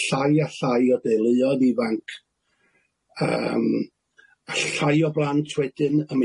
llai a llai o deuluoedd ifanc yym a llai o blant wedyn yn